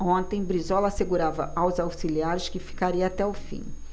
ontem brizola assegurava aos auxiliares que ficaria até o fim